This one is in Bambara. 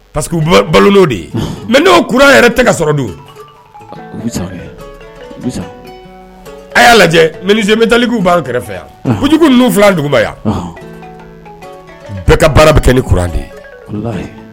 Pa que balo n'o de mɛ n'o kura yɛrɛ tɛgɛ sɔrɔ don a y'a lajɛ mɛ daliku b'a kɛrɛfɛ yan kojugu ninnufila duguba yan bɛɛ ka baara bɛ kɛ ni kuran de ye